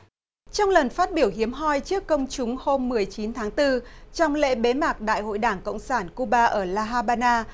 trong lần phát biểu hiếm hoi trước công chúng hôm mười chín tháng tư trong lễ bế mạc đại hội đảng cộng sản cu ba ở la ha ba na